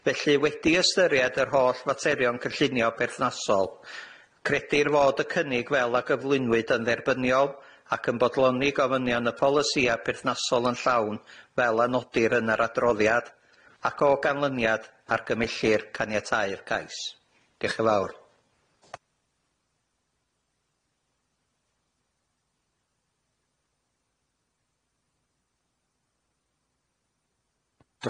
Felly wedi ystyried yr holl faterion cynllunio perthnasol, credir fod y cynnig fel a gyflwynwyd yn dderbyniol ac yn bodloni gofynion y polisïa perthnasol yn llawn fel a nodir yn yr adroddiad, ac o ganlyniad argymellir caniatáu'r cais. Diolch yn fawr.'